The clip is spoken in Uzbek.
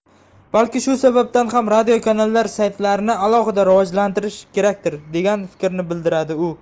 balki shu sababdan ham radiokanallar saytlarini alohida rivojlantirish kerakdir degan fikrni bildiradi u